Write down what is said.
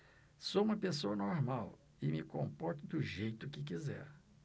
sou homossexual e me comporto do jeito que quiser